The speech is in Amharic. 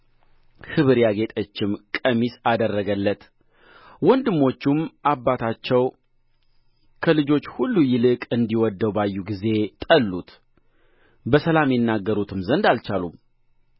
ኅብር ያጌጠችም ቀሚስ አደረገለት ወንድሞቹም አባታቸው ከልጆቹ ሁሉ ይልቅ እንዲወደው ባዩ ጊዜ ጠሉት በሰላም ይናገሩትም ዘንድ አልቻሉም